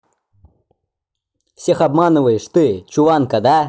всех обманываешь ты чуванка да